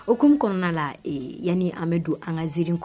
O ko n kɔnɔna la yanani an bɛ don an ka ziiri kɔnɔ